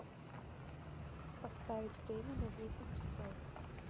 поставить время на десять часов